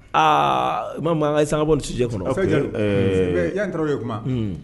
Aa ma mankan san bɔ sijɛ kɔnɔ a yan kɛra ye kuma